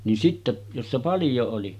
niin sitten jossa paljon oli